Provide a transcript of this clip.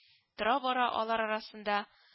Тора-бара алар арасында